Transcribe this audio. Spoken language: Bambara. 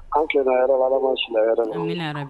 An kɛlɛ yɛrɛrabaraba ma silamɛyara la